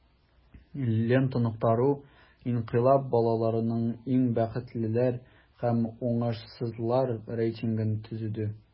"лента.ру" инкыйлаб балаларының иң бәхетлеләр һәм уңышсызлар рейтингын төзеде.